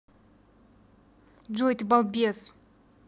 джой ты балбес